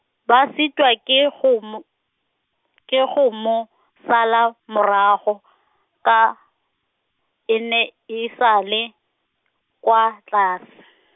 ba sitwa ke go mo, ke go mo, sala morago , ka, e ne e sa le, kwa tlas-.